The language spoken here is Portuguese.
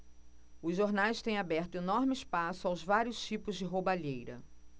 os jornais têm aberto enorme espaço aos vários tipos de roubalheira